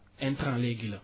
intrant léegi la